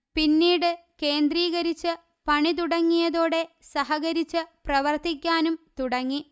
പിന്നീട് കേന്ദ്രീകരിച്ച് പണി തുടങ്ങിയതോടെ സഹകരിച്ച് പ്രവർത്തിക്കാനും തുടങ്ങി